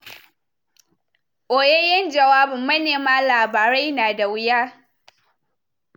Boyayyen jawabin manema labarai na da wuya.